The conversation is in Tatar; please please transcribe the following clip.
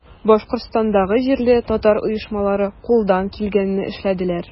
Башкортстандагы җирле татар оешмалары кулдан килгәнне эшләделәр.